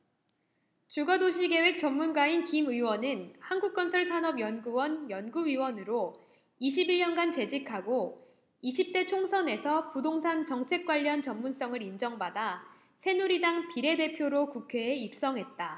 주거 도시계획 전문가인 김 의원은 한국건설산업연구원 연구위원으로 이십 일 년간 재직하고 이십 대 총선에서 부동산 정책 관련 전문성을 인정받아 새누리당 비례대표로 국회에 입성했다